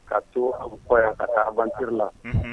Ka to a yan ka taatiri la